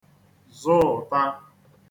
zụụta